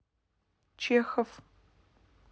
чехов